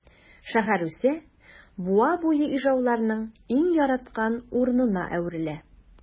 Шәһәр үсә, буа буе ижауларның иң яраткан урынына әверелә.